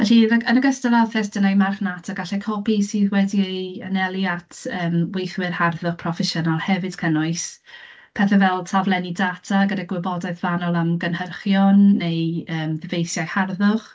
Felly yn yg- yn ogystal a thestunau marchnata, gallai copi sydd wedi ei anelu at, yym, weithwyr harddwch proffesiynol hefyd cynnwys pethe fel taflenni data gyda gwybodaeth fanwl am gynhyrchion, neu yym ddyfeisiau harddwch.